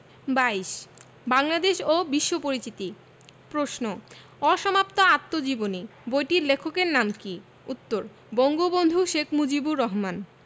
২২ বাংলাদেশ ও বিশ্ব পরিচিতি প্রশ্ন অসমাপ্ত আত্মজীবনী বইটির লেখকের নাম কী উত্তর বঙ্গবন্ধু শেখ মুজিবুর রহমান